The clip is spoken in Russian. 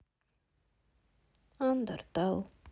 андер тэл